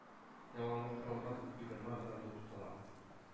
Ялганга корылган уйдырма гына булып кала.